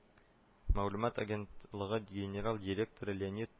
Мәгълүмат агентлыгы генераль дректоры леонид